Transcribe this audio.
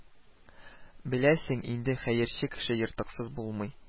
Беләсең инде, хәерче кеше ертыксыз булмый